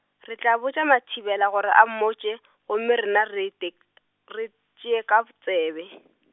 re tla botša Mathibela gore a mmotše, gomme rena re te-, re tšee ka tsebe.